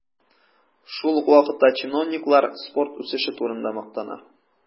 Шул ук вакытта чиновниклар спорт үсеше турында мактана.